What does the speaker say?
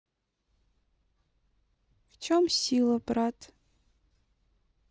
в чем сила брат